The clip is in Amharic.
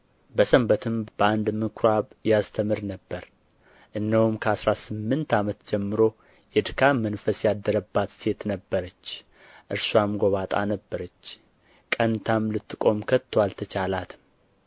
በሰንበትም በአንድ ምኵራብ ያስተምር ነበር እነሆም ከአሥራ ስምንት ዓመት ጀምሮ የድካም መንፈስ ያደረባት ሴት ነበረች እርስዋም ጐባጣ ነበረች ቀንታም ልትቆም ከቶ አልተቻላትም